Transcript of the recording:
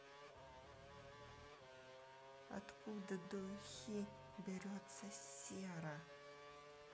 откуда до ухи берется сера